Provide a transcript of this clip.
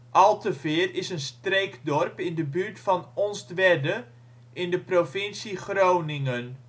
Alteveer is een streekdorp in de buurt van Onstwedde in de provincie Groningen